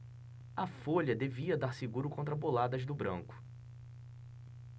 a folha devia dar seguro contra boladas do branco